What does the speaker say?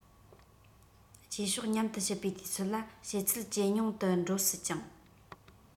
རྗེས ཕྱོགས མཉམ དུ གཤིབ པའི དུས ཚོད ལ བྱེད ཚད ཇེ ཉུང དུ འགྲོ སྲིད ཅིང